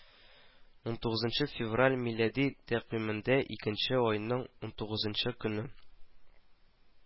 Унтугызынчы февраль милади тәкъвимендә икенче айның унтугызынчы көне